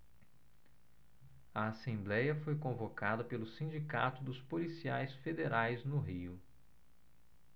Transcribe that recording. a assembléia foi convocada pelo sindicato dos policiais federais no rio